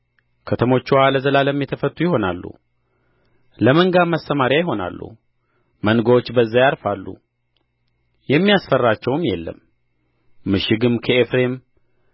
ከተሞችዋ ለዘላለም የተፈቱ ይሆናሉ ለመንጋ ማሰማሪያ ሆናሉ መንጎች በዚያ ያርፋሉ የሚያስፈራቸውም የለም ምሽግም ከኤፍሬም